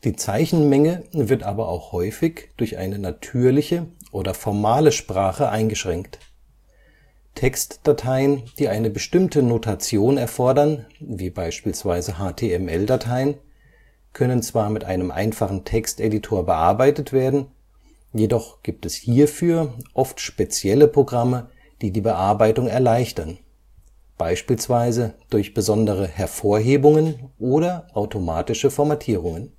Zeichenmenge wird aber auch häufig durch eine natürliche oder formale Sprache eingeschränkt. Textdateien, die eine bestimmte Notation erfordern – wie beispielsweise HTML-Dateien – können zwar mit einem einfachen Texteditor bearbeitet werden, jedoch gibt es hierfür oft spezielle Programme, die die Bearbeitung erleichtern – beispielsweise durch besondere Hervorhebungen oder automatische Formatierungen